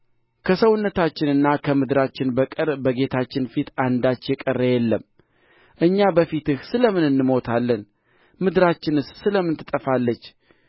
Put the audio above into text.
ከሰውነታችንና ከምድራችን በቀር በጌታችን ፊት አንዳች የቀረ የለም እኛ በፊትህ ስለ ምን እንሞታለን ምድራችንስ ስለ ምን ትጠፋለች